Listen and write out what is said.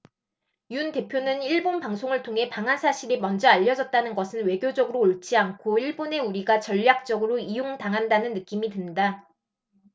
윤 대표는 일본 방송을 통해 방한 사실이 먼저 알려졌다는 것은 외교적으로 옳지 않고 일본에 우리가 전략적으로 이용당한다는 느낌이 든다